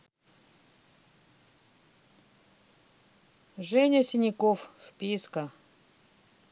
женя синяков вписка